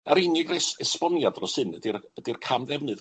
A'r unig res- esboniad dros hyn ydi'r yy ydi'r camddefnydd